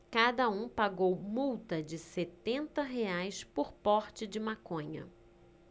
cada um pagou multa de setenta reais por porte de maconha